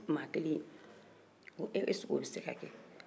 ma kelen est-ce que o bɛ se ka kɛ